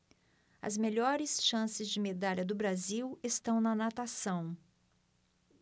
as melhores chances de medalha do brasil estão na natação